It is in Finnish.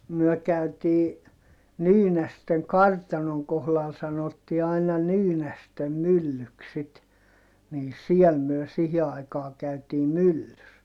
me käytiin Nyynästen kartanon kohdalla sanottiin aina Nyynästen myllyksi sitten niin siellä me siihen aikaan käytiin myllyssä